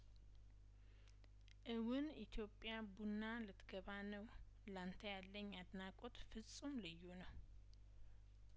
እውን ኢትዮጵያ ቡና ልትገባ ነው ላንተ ያለኝ አድናቆት ፍጹም ልዩ ነው